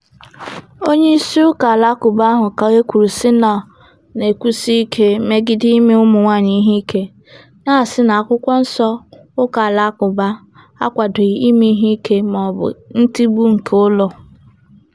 Onye isi ụka alakụba ahụ ka e kwuru sị na ọ na-ekwusike megide ịme ụmụ nwaanyị ihe ike, na-asị na akwụkwọ nsọ ụka alakụba akwadoghị ịme ihe ike maọbụ ntigbu nke ụlọ.